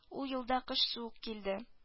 Ул елда кыш суык килде